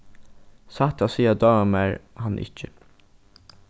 satt at siga dámar mær hann ikki